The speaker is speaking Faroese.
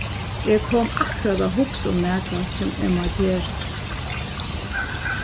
eg kom akkurát at hugsa um nakað sum eg má gera